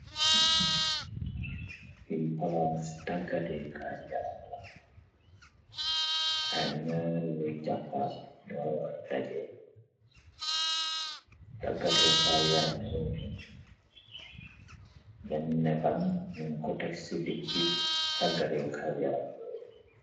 Fii palaas si tàggatey kaay yaram la, ay ñaari woy jàmbaar ñoo wara dajee. Taggatey kaay yaram boobu benna bañg ñung ko tek si diggë taggate kaay yaram boobu.